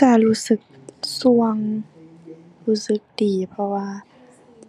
ก็รู้สึกส่วง รู้สึกดี เพราะว่า